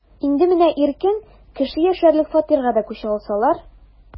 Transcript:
Инде менә иркен, кеше яшәрлек фатирга да күчә алсалар...